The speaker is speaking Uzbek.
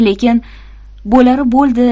lekin bo'lari bo'ldi